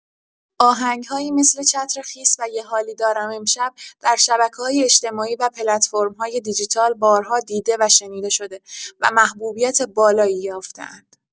آهنگ‌هایی مثل چتر خیس و یه حالی دارم امشب در شبکه‌های اجتماعی و پلتفرم‌های دیجیتال بارها دیده و شنیده شده و محبوبیت بالایی یافته‌اند.